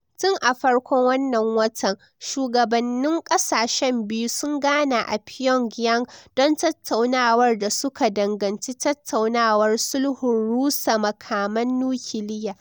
Tun a farko wannan watan, shugabannin kasashen biyu sun gana a Pyongyang don tattaunawar da suka danganci tattaunawar sulhun rusa makaman nukiliya.